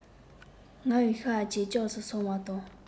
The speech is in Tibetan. ངའི ཤ ཇེ རྒྱགས སུ སོང བ དང